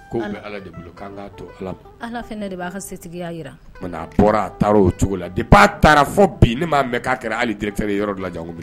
Ko bɛ ala de to ala ala fɛ ne de b'a ka setigiya jira nka bɔra a taara o cogo la de b'a taara fɔ bi ne m' mɛn'a kɛ ale terikɛɛrɛ yɔrɔ lajan